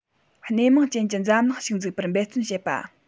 སྣེ མང ཅན གྱི འཛམ གླིང ཞིག འཛུགས པར འབད བརྩོན བྱེད པ